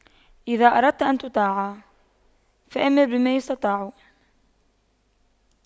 إذا أردت أن تطاع فأمر بما يستطاع